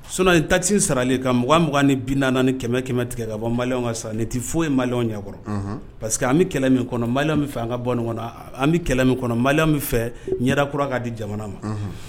So nin tati saralen kan mɔgɔugan ni bi naani ni kɛmɛ kɛmɛ tigɛ ka bɔ mali ka san nin tɛ foyi ye ɲɛkɔrɔ parce que an bɛ kɛlɛ min kɔnɔ maliya min fɛ an ka bɔ an bɛ kɛlɛ min kɔnɔ min fɛ kura k'a di jamana ma